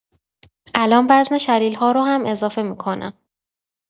الان وزن شلیل‌ها رو هم اضافه می‌کنم.